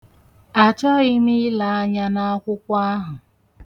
Achọghị m ile anya n'akwụkwọ ahụ.